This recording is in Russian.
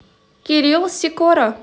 кирилл сикора